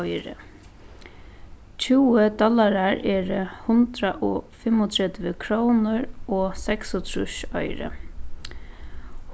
oyru tjúgu dollarar eru hundrað og fimmogtretivu krónur og seksogtrýss oyru